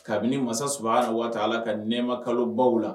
Kabini mansa saba na waa ala ka nɛma kalo baw la